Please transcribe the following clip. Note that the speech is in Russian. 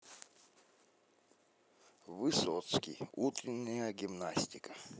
высоцкий утренняя гимнастика